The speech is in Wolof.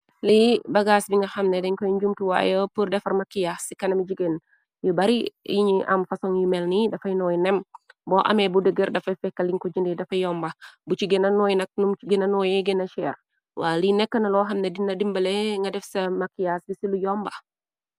Lii bagaas bi nga xamne deñ koy njumtu waayoppur defar makias ci kana mi jigeen yu bari yiñuy am fasoŋ yi melni dafay nooy nem boo ame bu dëgër dafay fekkaliñ ko jënde dafa yomba bu ci gëna nooy nak num c gëna nooye gëna cheer wala li nekk na loo xamne dina dimbale nga def sa makias di ci lu yomba.